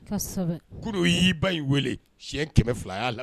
Kosɛbɛ, kunun u y'i ba in wele siɲɛ 200 a y'a lam